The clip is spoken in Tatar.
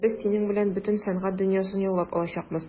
Без синең белән бөтен сәнгать дөньясын яулап алачакбыз.